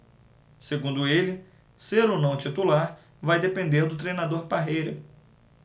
segundo ele ser ou não titular vai depender do treinador parreira